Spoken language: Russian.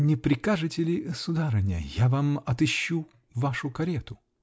-- Не прикажете ли, сударыня, я вам отыщу вашу карету?